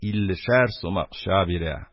Иллешәр сум акча бирә.